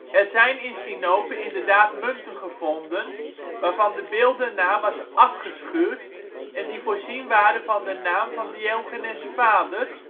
zijn in Sinope inderdaad munten gevonden waarvan de beeldenaar was afgeschuurd en die voorzien waren van de naam van Diogenes ' vader